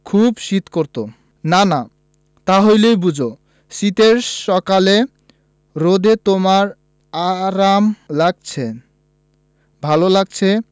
খুব শীত করত নানা তা হলেই বোঝ শীতের সকালে রোদে তোমার আরাম লাগছে ভালো লাগছে